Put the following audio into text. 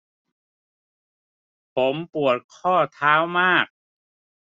ผมปวดข้อเท้ามาก